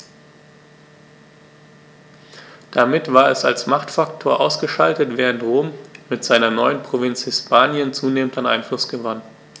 Damit war es als Machtfaktor ausgeschaltet, während Rom mit seiner neuen Provinz Hispanien zunehmend an Einfluss gewann.